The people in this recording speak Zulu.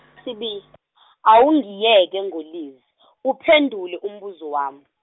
sibi, awungiyeke ngoLizzy, uphendule umbuzo wami.